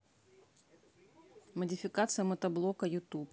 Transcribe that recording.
модификация мотоблока ютуб